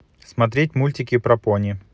смотреть мультики про пони